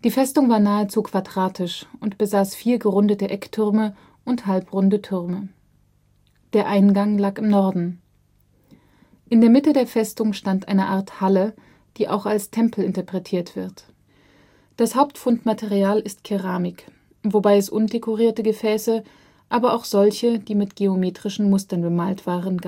Festung war nahezu quadratisch und besaß vier gerundete Ecktürme und halbrunde Türme. Der Eingang lag im Norden. In der Mitte der Festung stand eine Art Halle, die auch als Tempel interpretiert wird. Das Hauptfundmaterial ist Keramik, wobei es undekorierte Gefäße, aber auch solche die mit geometrischen Mustern bemalt waren